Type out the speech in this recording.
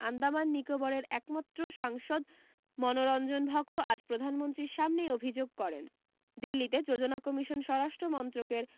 আন্দামান নিকোবরের একমাত্র সাংসদ মনোরঞ্জন ভক্ত আজ প্রধানমন্ত্রীর সামনেই অভি্যোগ করেন দিল্লীতে যোজনা কমিশন স্বরাষ্ট্র মন্ত্রকের